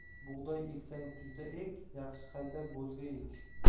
bug'doy eksang kuzda ek yaxshi haydab bo'zga ek